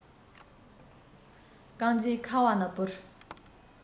རྐང རྗེས ཁ བ ན བོར